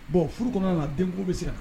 Bon furu kɔnɔna na denkuli bɛ